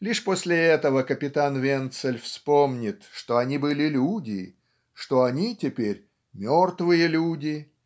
лишь после этого капитан Венцель вспомнит что они были люди что они теперь "мертвые люди".